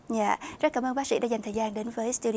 dạ rất cảm ơn bác sĩ đã dành thời gian đến với sờ tiu